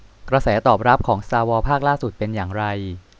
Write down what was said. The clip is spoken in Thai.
กระแสตอบรับของสตาร์วอร์ภาคล่าสุดเป็นอย่างไร